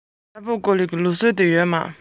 དཔེ ཆ དེ མ གཞི གེ སར རྒྱལ པོའི སྒྲུང རེད འདུག